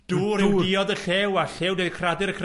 Dŵr yw diod y llew, a llew di'r cradur cryfa.